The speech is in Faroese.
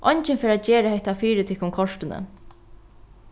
eingin fer at gera hetta fyri tykkum kortini